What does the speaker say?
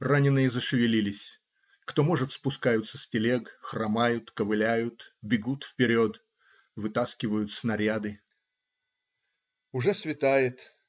Раненые зашевелились, кто может, спускаются с телег, хромают, ковыляют, бегут вперед - вытаскивать снаряды. Уже светает.